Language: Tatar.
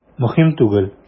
Мөһим түгел.